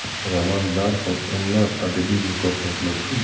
roman darhol o'nlab adabiy mukofotlar shu